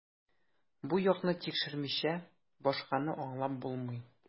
Бу якны тикшермичә, башканы аңлап булмый.